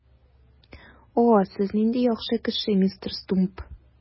О, сез нинди яхшы кеше, мистер Стумп!